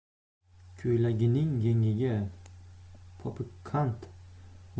ko'ylagining yengiga popukqand